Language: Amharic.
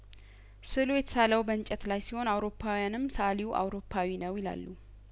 ስእሉ የተሳለው በእንጨት ላይ ሲሆን አውሮፓውያንም ሰአሊው አውሮፓዊ ነው ይላሉ